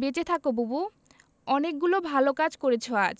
বেঁচে থাকো বুবু অনেকগুলো ভালো কাজ করেছ আজ